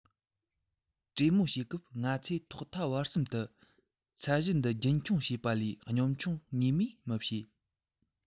གྲོས མོལ བྱེད སྐབས ང ཚོས ཐོག མཐའ བར གསུམ དུ ཚད གཞི འདི རྒྱུན འཁྱོངས བྱེད པ ལས གཉོམ ཆུང ནུས མེད མི བྱེད